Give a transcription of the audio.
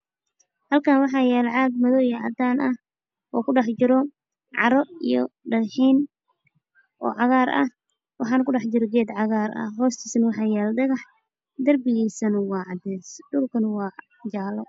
Halkanwaxayaalo caag madow iyo cadanah okudhaxjiro Caro iyo dhagaxiin ocagarah waxana ku dhaxjiro geed cagar ah hostisana waxa yaalo dhagax derbigisana waacades dhulkana waa jaalo